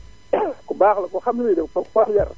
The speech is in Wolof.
ku baax la ku xam li muy def ku am yar